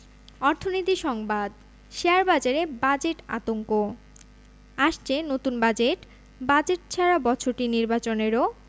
অর্থনীতি সংবাদ শেয়ারবাজারে বাজেট আতঙ্ক আসছে নতুন বাজেট বাজেট ছাড়া বছরটি নির্বাচনেরও